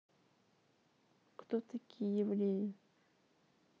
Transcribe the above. кто такие евреи